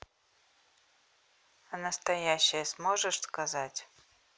а настоящее сможешь сказать